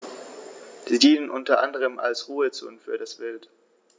Sie dienen unter anderem als Ruhezonen für das Wild.